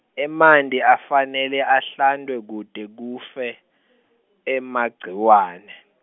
emanti afanele ahlantwe kute kufe , emagciwane.